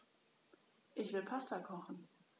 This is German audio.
Ich will Pasta kochen.